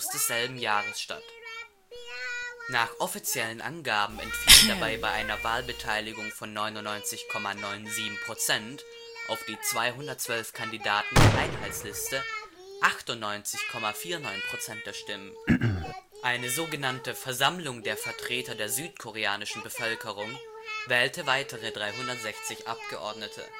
desselben Jahres statt. Nach offiziellen Angaben entfielen dabei bei einer Wahlbeteiligung von 99,97 % auf die 212 Kandidaten der Einheitsliste 98,49 % der Stimmen. Eine so genannte „ Versammlung der Vertreter der südkoreanischen Bevölkerung “wählte weitere 360 Abgeordnete